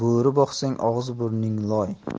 bo'ri boqsang og'zi burning loy